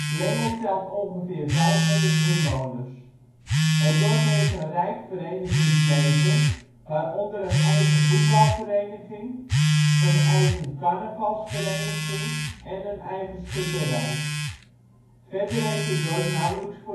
Lengel telt ongeveer 500 inwoners. Het dorp heeft een rijk verenigingsleven, waaronder een eigen voetbalvereniging (VVL), een eigen carnavalsvereniging en een eigen schutterij. Verder heeft het dorp nauwelijks